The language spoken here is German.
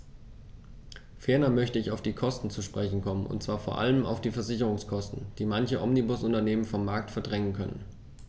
Ferner möchte ich auf die Kosten zu sprechen kommen, und zwar vor allem auf die Versicherungskosten, die manche Omnibusunternehmen vom Markt verdrängen könnten.